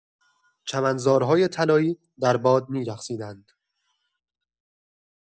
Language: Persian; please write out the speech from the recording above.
چمنزارهای طلایی در باد می‌رقصیدند.